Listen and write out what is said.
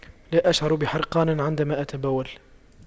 لا أشعر بحرقان عندما أتبول